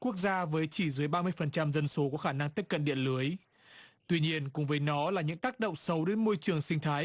quốc gia với chỉ dưới ba mươi phần trăm dân số có khả năng tiếp cận điện lưới tuy nhiên cùng với nó là những tác động xấu đến môi trường sinh thái